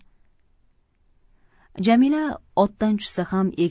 jamila otdan tushsa ham